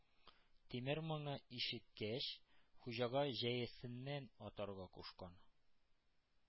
Тимер моны ишеткәч, Хуҗага җәясеннән атарга кушкан.